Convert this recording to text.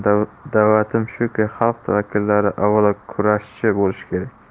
xalq vakillari avvalo kurashchi bo'lishi kerak